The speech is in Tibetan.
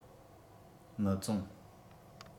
མི བཙོངས